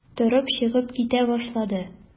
Торып чыгып китә башлады.